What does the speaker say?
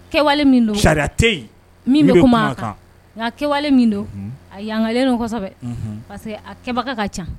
Kɛwale min don sariya tɛ ye min bɛ kuma a ka nka kɛwale min don a yamaruyalen do kɔsɛbɛ parce que a keba ka ca